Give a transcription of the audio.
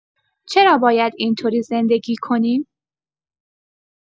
چرا باید این‌طوری زندگی کنیم؟